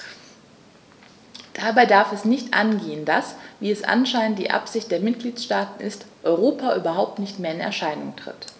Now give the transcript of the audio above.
Dabei darf es nicht angehen, dass - wie es anscheinend die Absicht der Mitgliedsstaaten ist - Europa überhaupt nicht mehr in Erscheinung tritt.